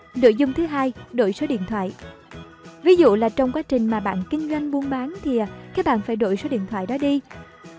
nội dung thứ đổi số điện thoại ví dụ trong quá trình bạn kinh doanh buôn bán các bạn phải đổi số điện thoại đó đi